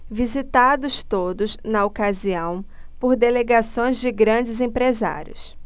visitados todos na ocasião por delegações de grandes empresários